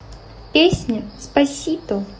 песня спасито